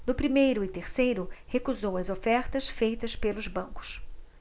no primeiro e terceiro recusou as ofertas feitas pelos bancos